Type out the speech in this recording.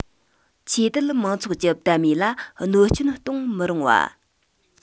ཆོས དད མང ཚོགས ཀྱི དད མོས ལ གནོད སྐྱོན གཏོང མི རུང བ